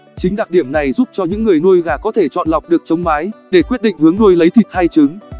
chính đặc điểm này giúp cho những người nuôi gà có thể chọn lọc được trống mái để quyết định hướng nuôi lấy thịt hay trứng